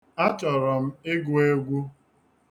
Achọrọ m ịgụ egwu.